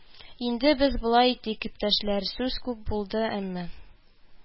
– инде без болай итик, иптәшләр: сүз күп булды, әмма